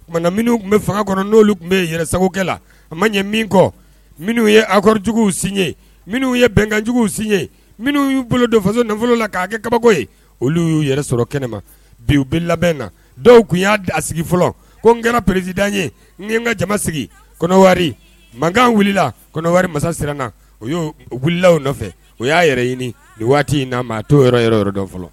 Tuma minnu tun bɛ fanga kɔnɔ n'olu tun bɛ yɛrɛ sago kɛ la a ma ɲɛ min kɔ minnu ye a amadujuguw sinye minnuu ye bɛnkanjuguw sin ye minnu y'u bolo don faso nafolo la k'a kɛ kabako ye olu y'u yɛrɛ sɔrɔ kɛnɛma bi u bɛ labɛn na dɔw tun y'a a sigi fɔlɔ ko n kɛra pereresid ye n n ka jama sigi kɔnɔwa mankan wulila kɔnɔwa masa siranna o y' wulilalaww nɔfɛ o y'a yɛrɛ ɲini nin waati in naa ma a t'o yɔrɔ yɔrɔ yɔrɔ dɔn fɔlɔ